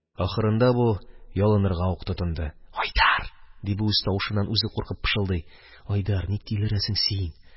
Ахырында бу ялынырга ук тотынды: – Айдар! – ди бу, үз тавышыннан үзе куркып, пышылдый: – Айдар, ник тилерәсең син?